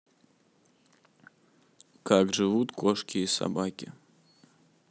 как живут кошки и собаки